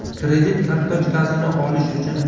kredit kartochkasini olish uchun